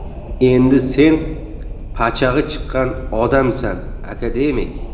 endi sen pachag'i chiqqan odamsan akademik